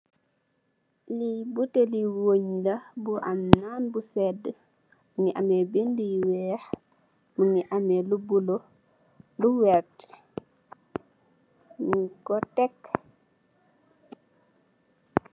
Li butel li wen la bu am nan bu sedd mingi amme bind yu weex mingi amme lu bulu lu wert nonko teh fo weex.